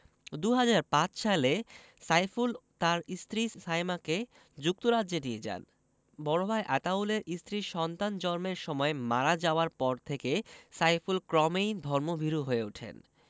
২০০৫ সালে সাইফুল তাঁর স্ত্রী সায়মাকে যুক্তরাজ্যে নিয়ে যান বড় ভাই আতাউলের স্ত্রী সন্তান জন্মের সময় মারা যাওয়ার পর থেকে সাইফুল ক্রমেই ধর্মভীরু হয়ে ওঠেন